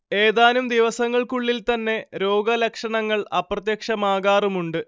ഏതാനും ദിവസങ്ങൾക്കുള്ളിൽ തന്നെ രോഗലക്ഷണങ്ങൾ അപ്രത്യക്ഷമാകാറുമുണ്ട്